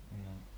no